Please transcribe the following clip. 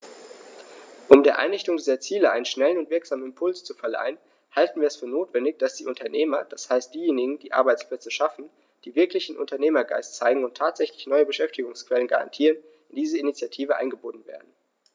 Um der Erreichung dieser Ziele einen schnellen und wirksamen Impuls zu verleihen, halten wir es für notwendig, dass die Unternehmer, das heißt diejenigen, die Arbeitsplätze schaffen, die wirklichen Unternehmergeist zeigen und tatsächlich neue Beschäftigungsquellen garantieren, in diese Initiative eingebunden werden.